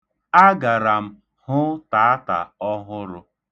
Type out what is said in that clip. Agara m hụ taata ọhụrụ.